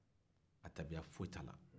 a tabiya foyi t'a la